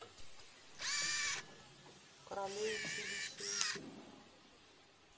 королевич елисей